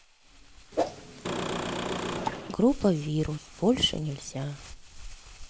группа вирус больше нельзя